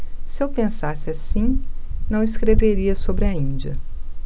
se eu pensasse assim não escreveria sobre a índia